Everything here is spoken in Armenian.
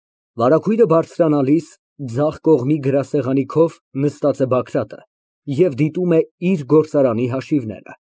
Վարագույրը բարձրանալիս՝ ձախ կողմի գրասեղանի քով նստած է Բագրատը և դիտում է իր գործարանի հաշիվները։